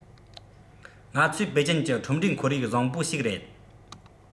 ང ཚོས པེ ཅིན གྱི ཁྲོམ རའི ཁོར ཡུག བཟང པོ ཞིག རེད